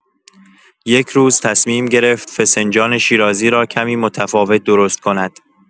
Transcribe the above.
یک روز، تصمیم گرفت فسنجان شیرازی را کمی متفاوت درست کند.